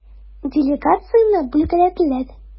Делегацияне бүлгәләделәр.